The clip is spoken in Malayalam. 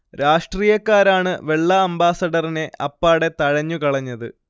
രാഷ്ട്രീയക്കാരാണ് വെള്ള അംബാസഡറിനെ അപ്പാടെ തഴഞ്ഞു കളഞ്ഞത്